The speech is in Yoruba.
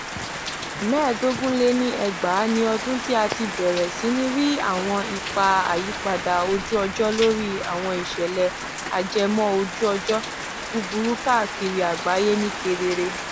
2015 ni ọdún tí a ti bẹ̀rẹ̀ sí ní rí àwọn ipa àyípadà ojú-ọjọ́ lórí àwọn ìṣẹ̀lẹ̀ ajẹmójú-ọjọ́ búburú káàkiri àgbáyé ní kedere.